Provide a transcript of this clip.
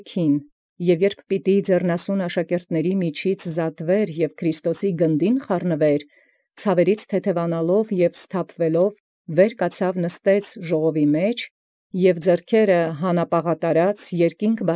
Եւ յորժամ որոշեալ ի միջոյ ձեռնասուն աշակերտացն և խառնեալ ի գունդն Քրիստոսի հասանէր, թեթևացեալ և սթափեալ ի ցաւոցն՝ կանգնեալ նստաւ ի ժողովոյն միջի, և համբարձեալ զձեռսն հանապազատարած յերկինս՝